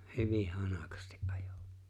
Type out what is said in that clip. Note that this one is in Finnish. hyvin hanakasti ajoi